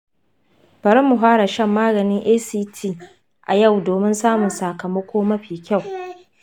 bari mu fara shan maganin act a yau domin samun sakamako mafi kyau.